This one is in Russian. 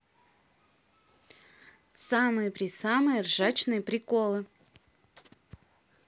самые пресамые ржачные приколы